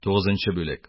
Тугызынчы бүлек